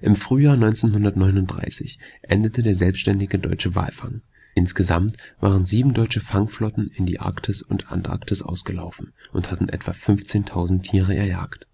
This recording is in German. Im Frühjahr 1939 endete der selbstständige deutsche Walfang. Insgesamt waren sieben deutsche Fangflotten in die Arktis und Antarktis ausgelaufen und hatten etwa 15.000 Tiere erjagt.